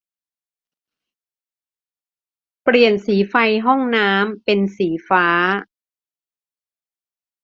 เปลี่ยนสีไฟห้องน้ำเป็นสีฟ้า